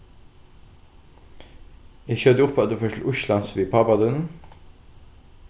eg skjóti upp at tú fert til íslands við pápa tínum